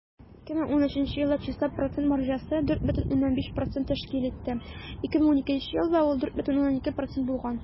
2013 елда чиста процент маржасы 4,5 % тәшкил итте, 2012 елда ул 4,2 % булган.